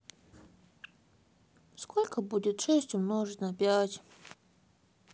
сколько будет шесть умножить на пять